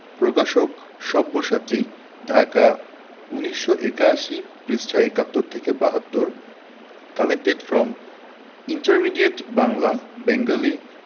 প্রকাশকঃ সব্যসাচী ঢাকা ১৯৮১ পৃষ্ঠাঃ ৭১ থেকে ৭২ collected from intermediate Bangla Bengali